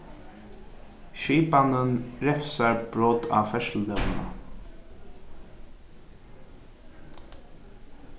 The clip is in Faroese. skipanin revsar brot á ferðslulógina